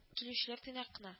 Килүчеләр тыйнак кына